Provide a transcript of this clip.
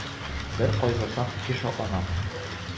Бер кайгырсам, ике шатланам.